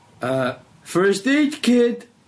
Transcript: Yy first aid kid!